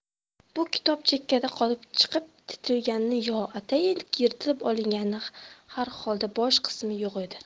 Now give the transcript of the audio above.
bu kitob chekkada qolib chirib titilganmi yo atayin yirtib olinganmi harholda bosh qismi yo'q edi